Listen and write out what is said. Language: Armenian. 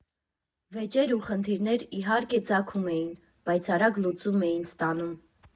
Վեճեր ու խնդիրներ, իհարկե ծագում էին, բայց արագ լուծում էին ստանում։